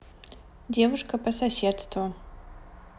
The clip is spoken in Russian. девушка по соседству